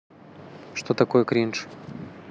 что такое кринж